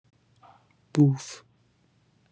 بوف